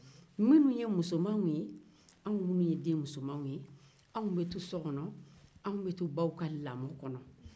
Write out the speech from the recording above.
minnu ye musomanw ye anw minnu ye den musomanw ye anw be to so kɔnɔ anw bɛ to baw ka lamɔ kɔnɔ